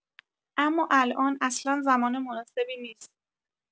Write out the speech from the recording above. اما الان اصلا زمان مناسبی نیس.